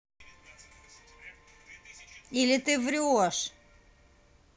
или ты врешь